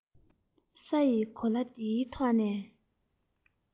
ས ཡི གོ ལ འདིའི ཐོག གནས